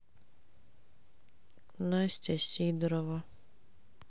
настя сидорова